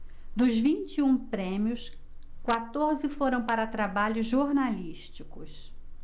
dos vinte e um prêmios quatorze foram para trabalhos jornalísticos